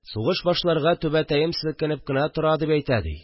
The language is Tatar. Сугыш башларга түбәтәем селкенеп кенә тора, дип әйтә ди